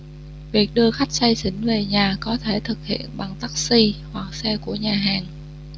việc đưa khách say xỉn về nhà có thể thực hiện bằng taxi hoặc xe của nhà hàng